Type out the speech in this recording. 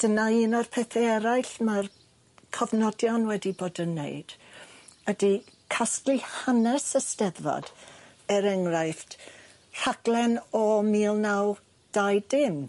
Dyna un o'r pethe eraill mae'r cofnodion wedi bod yn neud ydi casglu hanes y Steddfod er enghraifft rhaglen o mil naw dau dim.